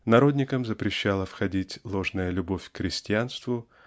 народникам запрещала входить ложная любовь к крестьянству